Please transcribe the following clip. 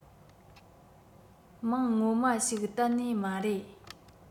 མིང ངོ མ ཞིག གཏན ནས མ རེད